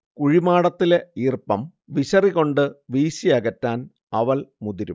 കുഴിമാടത്തിലെ ഈർപ്പം വിശറികൊണ്ട് വീശിയകറ്റാൻ അവൾ മുതിരും